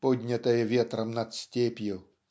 поднятая ветром над степью"